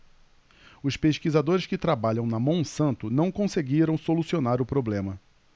os pesquisadores que trabalham na monsanto não conseguiram solucionar o problema